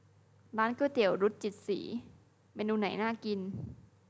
ร้านก๋วยเตี๋ยวรุจิศรีเมนูไหนน่ากิน